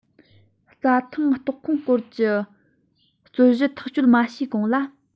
རྩྭ ཐང གཏོགས ཁོངས སྐོར གྱི རྩོད གཞི ཐག གཅོད མ བྱས གོང ལ